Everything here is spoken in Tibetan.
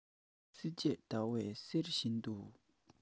སྲེག བཅད བརྡར བའི གསེར བཞིན དུ